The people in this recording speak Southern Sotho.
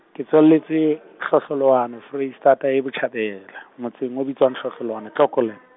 ke tswaletswe, Hlohlolwane Foreisitata e Botjhabela, motseng o bitswang Hlohlolwane Clocolan.